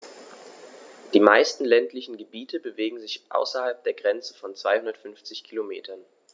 Die meisten ländlichen Gebiete bewegen sich außerhalb der Grenze von 250 Kilometern.